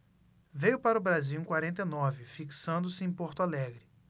veio para o brasil em quarenta e nove fixando-se em porto alegre